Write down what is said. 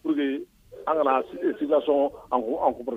Pour que an kanaa e situation encom encombrer